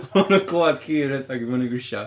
Maen nhw'n clywed ci yn rhedeg fyny grisiau.